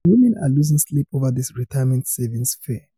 Women are losing sleep over this retirement savings fear